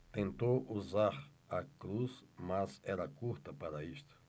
tentou usar a cruz mas era curta para isto